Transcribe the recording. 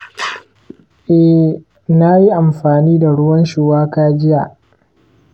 ee, na yi amfani da ruwan shuwaka jiya.